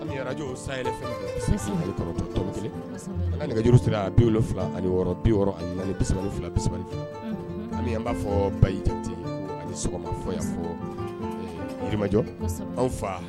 Araj nɛgɛ ani ani bi fila b'a fɔ ba ani fɔ fɔjɔ anw fa